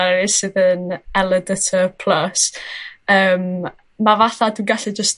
eryll sydd yn el yy dy ty plys yym yym ma' fatha dwi'n gallu jyst